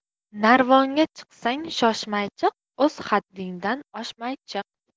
narvonga chiqsang shoshmay chiq o'z haddingdan oshmay chiq